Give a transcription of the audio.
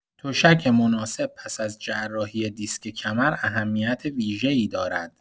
تشک مناسب پس از جراحی دیسک کمر اهمیت ویژه‌ای دارد.